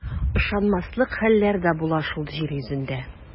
Ышанмаслык хәлләр дә була шул җир йөзендә.